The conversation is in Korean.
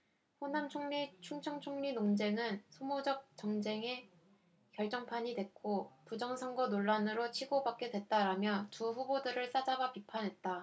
호남총리 충청총리 논쟁은 소모적 정쟁의 결정판이 됐고 부정선거 논란으로 치고받게 됐다라며 두 후보들을 싸잡아 비판했다